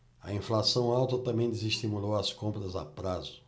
a inflação alta também desestimulou as compras a prazo